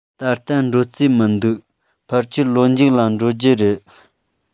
ད ལྟ འགྲོ རྩིས མི འདུག ཕལ ཆེར ལོ མཇུག ལ འགྲོ རྒྱུ རེད